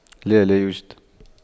لا لا يوجد